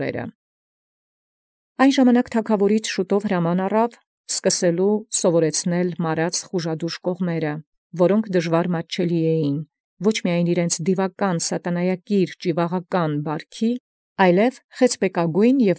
Կորյուն Յայնժամ վաղվաղակի հրաման առեալ ի թագաւորէն՝ սկիզբն առնելոյ զխուժադուժ կողմանսն Մարաց, որք ոչ միայն վասն դիւական սատանայակիր բարուցն ճիւաղութեան, այլ և վասն խեցբեկագոյն և։